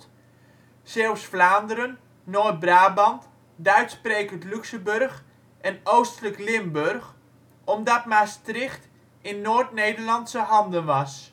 Zeeuws-Vlaanderen, Noord-Brabant, Duitssprekend Luxemburg en oostelijk Limburg, omdat Maastricht in Noord-Nederlandse handen was